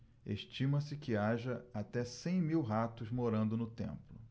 estima-se que haja até cem mil ratos morando no templo